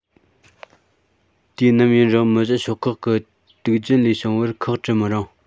དུས ནམ ཡིན རུང མི བཞི ཤོག ཁག གི དུག རྒྱུན ལས བྱུང བར ཁག དཀྲི མི རུང